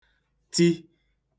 ti